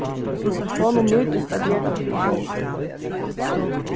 honum nýtist at gera hatta sjálvur